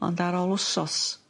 Ond ar ôl wsos